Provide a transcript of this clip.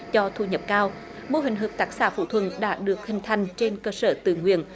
cho thu nhập cao mô hình hợp tác xã phú thuận đã được hình thành trên cơ sở tự nguyện